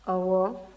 ɔwɔ